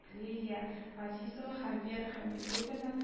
Лилия Газизова һәм Вера Хәмидуллина